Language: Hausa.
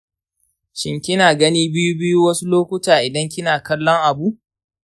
shin kina gani biyu biyu wasu lokutan idan kina kallon abu?